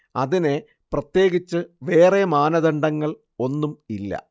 അതിനെ പ്രത്യേകിച്ച് വേറേ മാനദണ്ഡങ്ങൾ ഒന്നും ഇല്ല